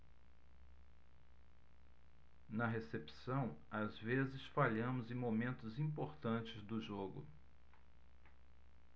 na recepção às vezes falhamos em momentos importantes do jogo